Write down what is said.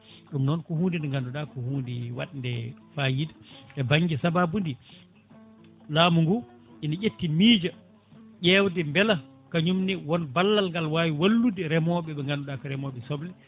ɗum noon ko hunde nde ganduɗa ko hunde wande fayida e banggue saababu nde laamu ngu ina ƴetti miijo ƴewde beela kañumne wooon ballal ngal wawi wallude remoɓe ɓe ko remoɓe soble